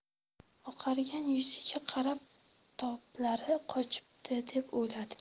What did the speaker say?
oqargan yuziga qarab toblari qochibdi deb o'yladi